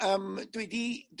yym dwi 'di